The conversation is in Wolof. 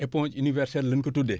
éponge universelle la nu ko tudee